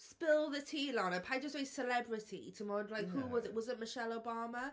Spill the tea Lana, paid jyst weud celebrity timod. like... Ie ...who was was it Michelle Obama?